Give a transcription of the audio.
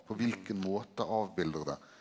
på kva måte avbildar det?